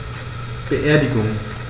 Beerdigung